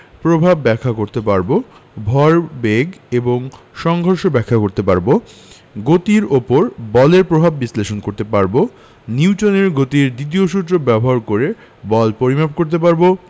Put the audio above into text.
প্রভাব ব্যাখ্যা করতে পারব ভরবেগ এবং সংঘর্ষ ব্যাখ্যা করতে পারব গতির উপর বলের প্রভাব বিশ্লেষণ করতে পারব নিউটনের গতির দ্বিতীয় সূত্র ব্যবহার করে বল পরিমাপ করতে পারব